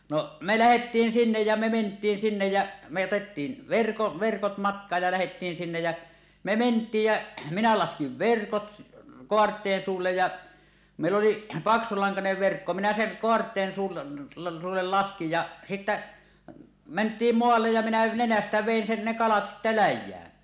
no me lähdettiin sinne ja me mentiin sinne ja me otettiin - verkot matkaan ja lähdettiin sinne ja me mentiin ja minä laskin verkot kaarteen suulle ja meillä oli paksulankainen verkko minä sen kaarteen - suulle laskin ja sitten mentiin maalle ja minä nenästä vedin sen ne kalat sitten läjään